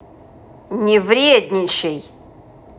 не вредничай